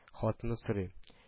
Хатыны сорый: